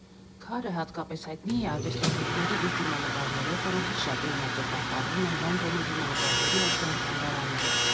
Քարը հատկապես հայտնի է արվեստագետների իր դիմանկարներով, որոնցից շատերն այսօր պահպանվում են Լոնդոնի՝ Դիմանկարների ազգային թանգարանում։